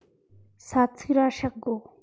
ས ཚིག ར སྲེག དགོ